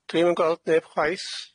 Dwi'm yn gweld neb chwaith.